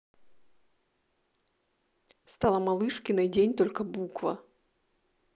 стала малышкиной день только буква